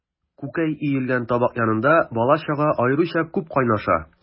Күкәй өелгән табак янында бала-чага аеруча күп кайнаша.